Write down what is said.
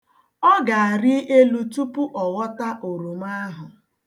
Ọ ga-arị elu tupu ọ ghọta oroma ahụ.